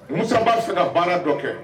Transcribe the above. Musa b'a fɛ ka baara dɔ kɛ